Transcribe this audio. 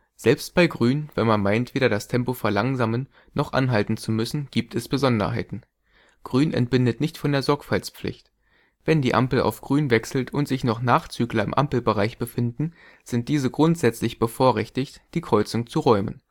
Selbst bei Grün, wenn man meint, weder das Tempo verlangsamen noch anhalten zu müssen, gibt es Besonderheiten. Grün entbindet nicht von der Sorgfaltspflicht. Wenn die Ampel auf Grün wechselt und sich noch Nachzügler im Ampelbereich befinden, sind diese grundsätzlich bevorrechtigt, die Kreuzung zu räumen